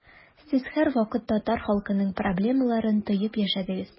Сез һәрвакыт татар халкының проблемаларын тоеп яшәдегез.